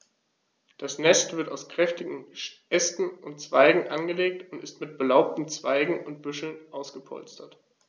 Das Nest wird aus kräftigen Ästen und Zweigen angelegt und mit belaubten Zweigen und Büscheln ausgepolstert.